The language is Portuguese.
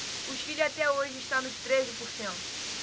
o chile até hoje está nos treze por cento